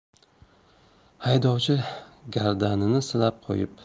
haydovchi gardanini silab qo'yib